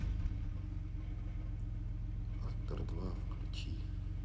фактор два включи